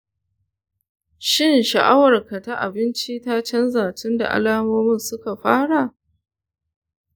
shin sha’awarka ta abinci ta canza tun da alamomin suka fara?